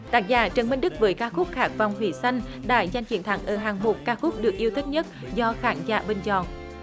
tác giả trần minh đức với ca khúc khát vọng thủy xanh đã giành chiến thắng ở hạng mục ca khúc được yêu thích nhất do khán giả bình chọn